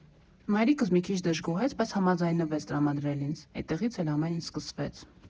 Մայրիկս մի քիչ դժգոհեց, բայց համաձայնվեց տրամադրել ինձ, էդտեղից էլ ամեն ինչ սկսվեց։